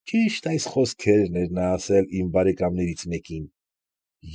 Ճիշտ այս խոսքերն էր նա ասել իմ բարեկամներից մեկին։